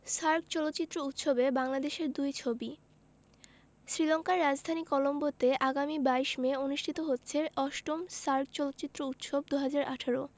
SAARC চলচ্চিত্র উৎসবে বাংলাদেশের দুই ছবি শ্রীলংকার রাজধানী কলম্বোতে আগামী ২২ মে অনুষ্ঠিত হচ্ছে ৮ম সার্ক চলচ্চিত্র উৎসব ২০১৮